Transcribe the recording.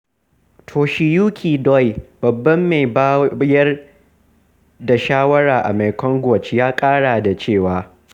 Toshiyuki Doi, babban mai bayar da shawara ga Mekong Watch, ya ƙara da cewa: